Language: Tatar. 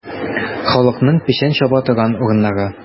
Халыкның печән чаба торган урыннары.